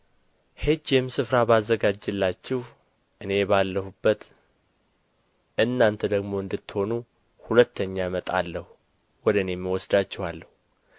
ሄጄም ስፍራ ባዘጋጅላችሁ እኔ ባለሁበት እናንተ ደግሞ እንድትሆኑ ሁለተኛ እመጣለሁ ወደ እኔም እወስዳችኋለሁ